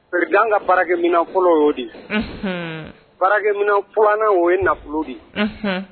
Ere an ka barakɛ minafɔ oo de ye baramin flan oo ye nafolo de ye